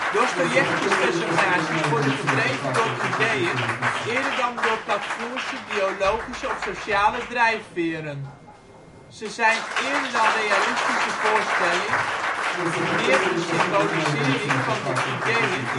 Dostojevski 's personages worden gedreven door ideeën eerder dan door platvloerse biologische of sociale drijfveren. Ze zijn, eerder dan realistische voorstelling, meer een symbolisering van de ideeën